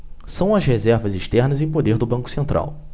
são as reservas externas em poder do banco central